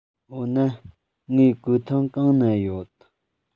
འོ ན ངའི གོས ཐུང གང ན ཡོད